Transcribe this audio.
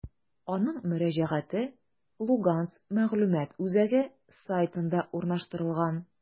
Аның мөрәҗәгате «Луганск мәгълүмат үзәге» сайтында урнаштырылган.